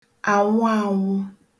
ànwụ anwụ